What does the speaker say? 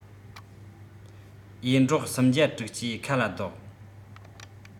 ཡེ འབྲོག སུམ བརྒྱ དྲུག ཅུའི ཁ ལ བཟློག